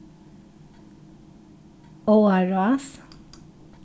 áarrás